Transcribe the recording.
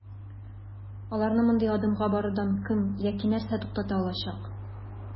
Аларны мондый адымга барудан кем яки нәрсә туктата алачак?